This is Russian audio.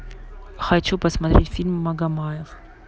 хочу посмотреть фильм магомаев